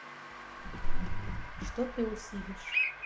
что ты усилишь